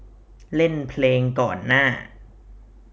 เล่นเพลงก่อนหน้า